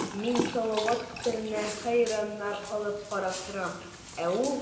Мин салават күперенә хәйраннар калып карап торам, ә ул...